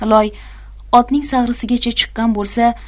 loy otning sag'risigacha chiqqan bo'lsa